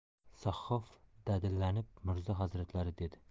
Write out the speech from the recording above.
sahhof dadillanib mirzo hazratlari dedi